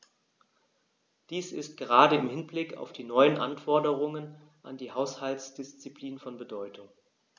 Dies ist gerade im Hinblick auf die neuen Anforderungen an die Haushaltsdisziplin von Bedeutung.